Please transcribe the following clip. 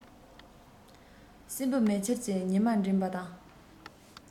སྲིན བུ མེ ཁྱེར གྱིས ཉི མར འགྲན པ དང